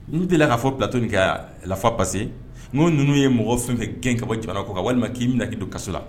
N'u deli la k'a fɔ p bilatoni kɛ lafa pase n' ninnu ye mɔgɔ fɛn fɛ gɛn kaba bɔ jamana kɔ kan walima k'i bɛna na' don kaso la